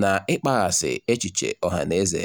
na "ịkpaghasị echiche ọhanaeze".